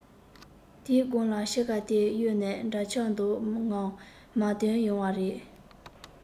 དེའི སྒང ལ ཕྱིང ཞྭ དེ གཡོག ནས འདྲ ཆགས མདོག ངང མར དོན ཡོང བ རེད